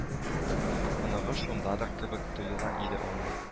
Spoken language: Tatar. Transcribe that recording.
Оныгы шундадыр кебек тоела иде аңа